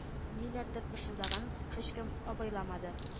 Ниләрдер пышылдаганын һичкем абайламады